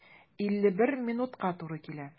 51 минутка туры килә.